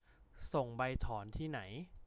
ส่งใบถอนที่ไหน